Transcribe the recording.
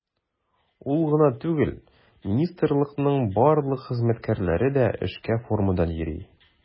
Ул гына түгел, министрлыкның барлык хезмәткәрләре дә эшкә формадан йөри.